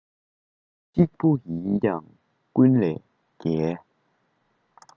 གཅིག པུ ཡིན ང ཀུན ས རྒྱལ